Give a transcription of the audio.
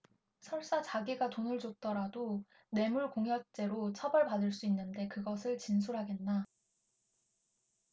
설사 자기가 돈을 줬더라도 뇌물공여죄로 처벌받을 수 있는데 그것을 진술하겠나